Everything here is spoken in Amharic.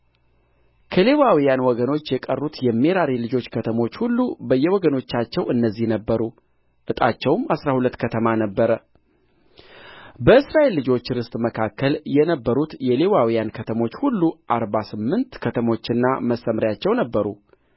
ከሌዋውያን ወገኖች የቀሩት የሜራሪ ልጆች ከተሞች ሁሉ በየወገኖቻቸው እነዚህ ነበሩ ዕጣቸውም አሥራ ሁለት ከተማ ነበረ በእስራኤል ልጆች ርስት መካከል የነበሩት የሌዋውያን ከተሞች ሁሉ አርባ ስምንት ከተሞችና መሰምርያቸው ነበሩ